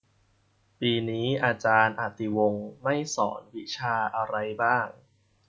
ปีนี้อาารย์อติวงศ์ไม่สอนวิชาอะไรบ้าง